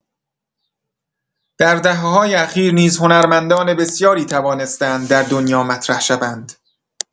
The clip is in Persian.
در دهه‌های اخیر نیز هنرمندان بسیاری توانسته‌اند در دنیا مطرح شوند.